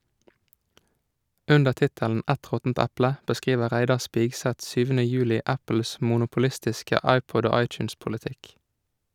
Under tittelen "Et råttent eple" beskriver Reidar Spigseth 7. juli Apples monopolistiske iPod- og iTunes-politikk.